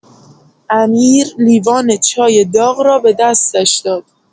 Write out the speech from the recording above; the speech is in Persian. امیر لیوان چای داغ را به دستش داد.